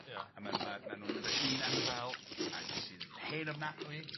Ia. A ma' n- ma' mae nw'n mynd â hen anifail ac sy'n hen ofnadwy